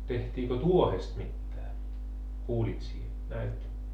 tehtiinkö tuohesta mitään kuulit sinä näitkö